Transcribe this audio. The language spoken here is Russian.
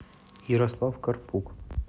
ярослав карпук